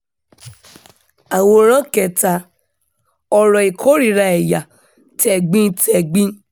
Àwòrán 3: Ọ̀rọ̀ ìkórìíra ẹ̀yà tẹ̀gbintẹ̀gbin